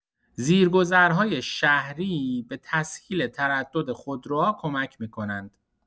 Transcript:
زیرگذرهای شهری به تسهیل تردد خودروها کمک می‌کنند.